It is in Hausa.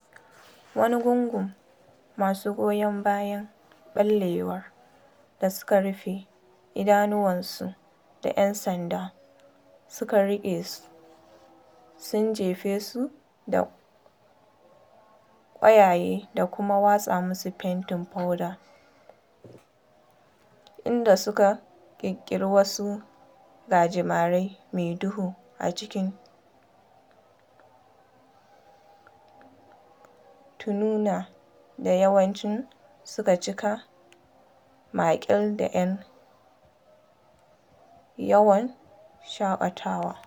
Wani gungu masu goyon bayan ɓallewar da suka rufe idanuwansu da ‘yan sanda suka riƙe sun jefe su da ƙwayaye da kuma watsa musu fentin foda, inda suka ƙirƙiri wasu gajimare mai duhu a cikin titunan da yawanci sukan cika maƙil da ‘yan yawon shaƙatawa.